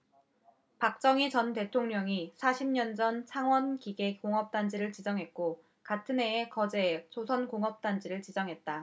박정희 전 대통령이 사십 년전 창원기계공업단지를 지정했고 같은해에 거제에 조선공업단지를 지정했다